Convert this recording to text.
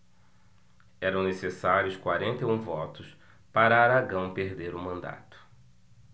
eram necessários quarenta e um votos para aragão perder o mandato